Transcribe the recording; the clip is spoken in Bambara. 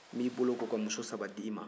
n b'i boloko ka muso saba di i ma